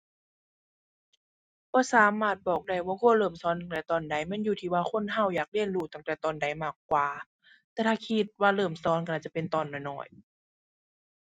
บ่สามารถบอกได้ว่าควรเริ่มสอนตั้งแต่ตอนใด มันอยู่ที่ว่าคนเราอยากเรียนรู้ตั้งแต่ตอนใดมากกว่า แต่ถ้าคิดว่าเริ่มสอนเราน่าจะเป็นตอนน้อยน้อย